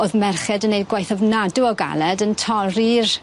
O'dd merched yn neud gwaith ofnadw o galed yn torri'r